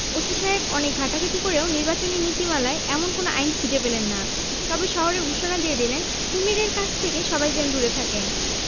OC সাহেব অনেক ঘাঁটাঘাটি করেও নির্বাচনী নীতিমালায় এমন কোন আইন খুঁজে পেলেন না তবে শহরে ঘোষণা দিয়ে দিলেন কুমীরদের কাছ থেকে সবাই যেন দূরে থাকে